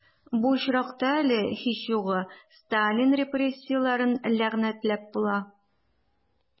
Бу очракта әле, һич югы, Сталин репрессияләрен ләгънәтләп була...